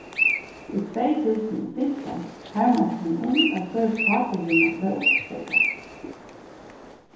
í tvey túsund og fimtan harmaðist hann um at føroysk kt-vinna var uppsteðgað